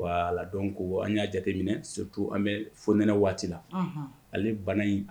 Wa la dɔn ko an y'a jateminɛ sotu an bɛ f ntɛnɛ waati la ale bana in